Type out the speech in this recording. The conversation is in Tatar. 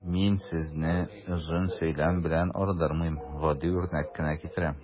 Мин сезне озын сөйләм белән ардырмыйм, гади үрнәк кенә китерәм.